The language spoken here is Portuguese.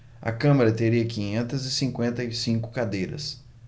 a câmara teria quinhentas e cinquenta e cinco cadeiras